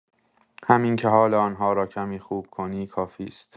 همین که حال آن‌ها را کمی خوب کنی کافی است.